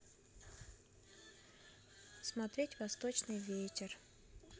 смотреть восточный ветер